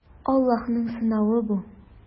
Аллаһның сынавы бу.